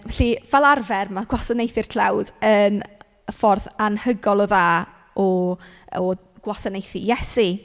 Felly fel arfer ma' gwasanaethu'r tlawd yn y- y ffordd anhygoel o dda o o gwasanaethu Iesu.